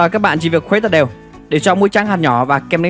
giờ các bạn khuấy thật đều để cho muối trắng và kem đánh răng hòa lại với nhau là